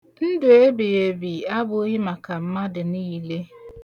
Ndu ebighiebi abụghị maka mmadụ niile.